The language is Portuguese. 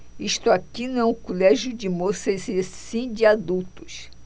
isto aqui não é um colégio de moças e sim de adultos